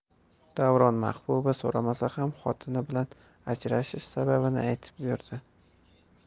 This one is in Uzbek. davron mahbuba so'ramasa ham xotini bilan ajralish sababini aytib berdi